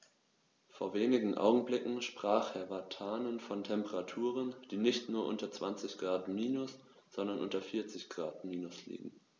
Vor wenigen Augenblicken sprach Herr Vatanen von Temperaturen, die nicht nur unter 20 Grad minus, sondern unter 40 Grad minus liegen.